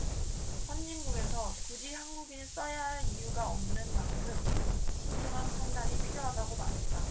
선진국에서 굳이 한국인을 써야할 이유가 없는 만큼 신중한 판단이 필요하다고 말했다